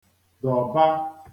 dọ̀ba